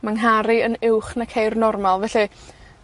Ma' nghar i yn uwch na ceir normal. Felly,